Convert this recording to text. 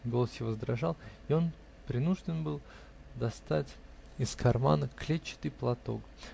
голос его задрожал, и он принужден был достать из кармана клетчатый платок.